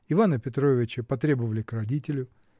Ивана Петровича потребовали к родителю.